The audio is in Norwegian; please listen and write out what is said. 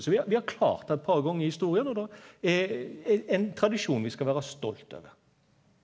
så vi har vi har klart eit par gonger i historia og det er ein tradisjon vi skal vera stolt over.